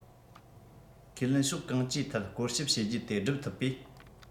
ཁས ལེན ཕྱོགས གང ཅིའི ཐད སྐོར ཞིབ བྱེད རྒྱུ དེ སྒྲུབ ཐུབ པས